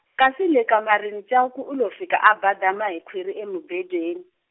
kasi le kamarini Chauke u lo fika a badama hi khwiri emubedweni.